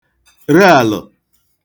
re àlǝ̀